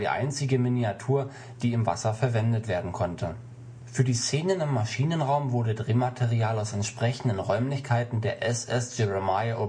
einzige Miniatur, die im Wasser verwendet werden konnte. Für die Szenen im Maschinenraum wurde Drehmaterial aus entsprechenden Räumlichkeiten der SS Jeremiah O'Brien